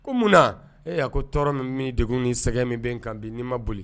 Ko munna na ee a ko tɔɔrɔ min bɛ deg ni sɛgɛ min bɛ kan bi n'i ma boli